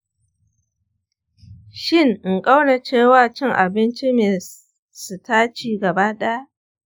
shin in ƙauracewa cin abinci mai sitaci gaba-ɗaya?